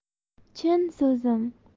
chin so'zim